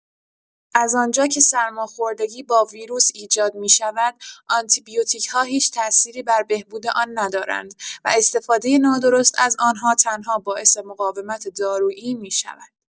از آنجا که سرماخوردگی با ویروس ایجاد می‌شود، آنتی‌بیوتیک‌ها هیچ تأثیری بر بهبود آن ندارند و استفاده نادرست از آنها تنها باعث مقاومت دارویی می‌شود.